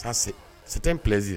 Se se tɛ psi